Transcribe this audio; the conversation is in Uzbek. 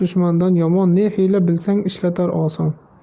dushmandan yomon ne hiyla bilsa ishlatar oson